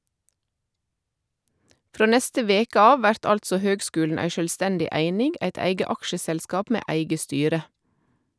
Frå neste veke av vert altså høgskulen ei sjølvstendig eining, eit eige aksjeselskap med eige styre.